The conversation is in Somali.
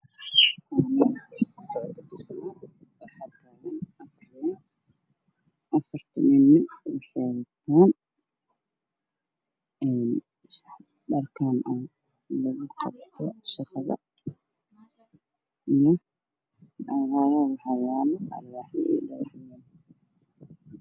Waa guri isma ku socdo waxaa ka taagan birashobo ah waxaa taagan afar nin waxay wataan shaatiyaal caga raatiyaal guduud